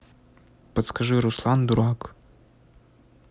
подскажи руслан дурак